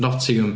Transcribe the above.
Nottingham.